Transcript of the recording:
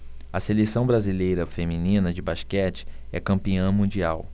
a seleção brasileira feminina de basquete é campeã mundial